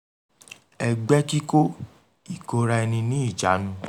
Ẹgbẹ́kíkó, ìkóraẹni-níjàánu